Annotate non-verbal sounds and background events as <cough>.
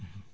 <hesitation> <hesitation>